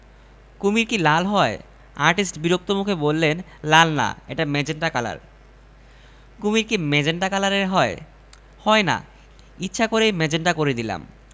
কুমীর এল না তবে মুখলেস সাহেবের চিঠি নিয়ে জীনসের প্যান্ট এবং আউলা ঝাউলা চুল নিয়ে এক লোক উপস্থিত চিঠিতে লেখা টেলিগ্রামে পাঠানো বাত অনুযায়ী আর্টিস্ট পাঠালাম